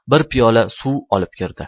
bir piyola suv olib kirdi